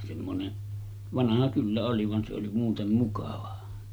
semmoinen vanha kyllä oli vaan se oli muuten mukava